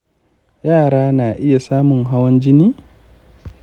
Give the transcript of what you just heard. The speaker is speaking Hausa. yara na iya samun hawan jini?